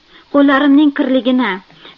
qo'llarimning kirligini